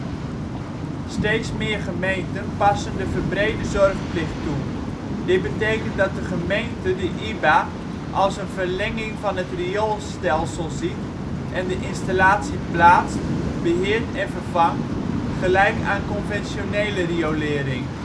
Steeds meer gemeenten passen de verbrede zorgplicht toe. Dit betekent dat de gemeente de IBA (= Individuele behandelingsinstallatie van afvalwater) als een verlenging van het rioolstelsel ziet en de installatie plaatst, beheert en vervangt gelijk aan conventionele riolering